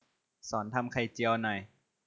สอนทำไข่เจียวหน่อย